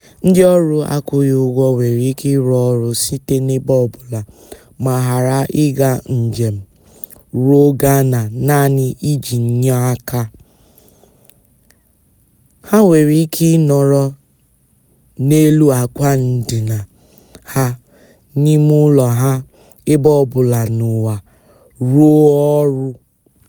Ndịọrụ akwụghị ụgwọ nwere ike ịrụ ọrụ site n'ebe ọbụla ma ghara ịga njem ruo Ghana naanị iji nye aka; ha nwere ike nọrọ n'elu àkwàndina ha n'ime ụlọ ha ebe ọbụla n'ụwa rụọ ọrụ.